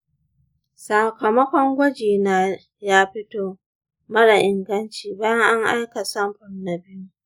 sakamakon gwajina ya fito mara inganci bayan an aika samfur na biyu.